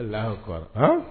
Walakura an